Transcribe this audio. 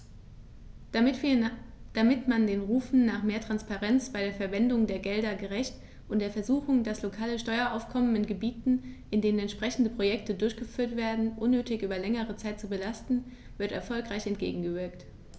Damit wird man den Rufen nach mehr Transparenz bei der Verwendung der Gelder gerecht, und der Versuchung, das lokale Steueraufkommen in Gebieten, in denen entsprechende Projekte durchgeführt werden, unnötig über längere Zeit zu belasten, wird erfolgreich entgegengewirkt.